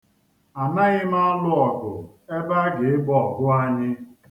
Anaghị m alụ ọgụ ebe a ga-egbo ọgụ anyị.